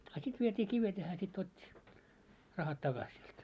a sitten vietiin kivet ja hän sitten otti rahat takaisin sinulta